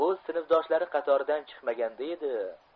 o'z sinfdoshlari qatoridan chiqmaganda edi